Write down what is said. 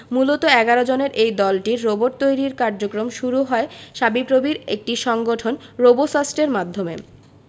মূলত ১১ জনের এই দলটির রোবট তৈরির কার্যক্রম শুরু হয় শাবিপ্রবির একটি সংগঠন রোবোসাস্টের মাধ্যমে